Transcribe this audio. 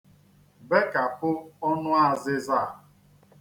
Bekàpụ ọnụ azịza a.